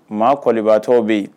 Maa kobaatɔ bɛ yen